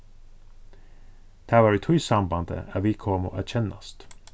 tað var í tí sambandi at vit komu at kennast